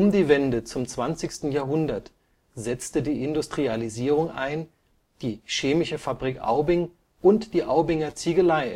die Wende zum 20. Jahrhundert setzte die Industrialisierung ein, die Chemische Fabrik Aubing und die Aubinger Ziegelei